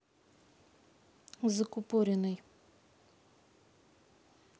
закупореной